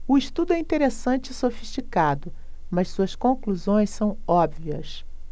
o estudo é interessante e sofisticado mas suas conclusões são óbvias